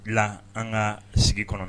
Bila an ka sigi kɔnɔ